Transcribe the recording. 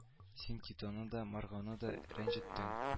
Син титоны да маргоны да рәнҗеттең